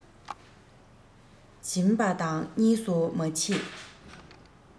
སྦྱིན པ དང གཉིས སུ མ མཆིས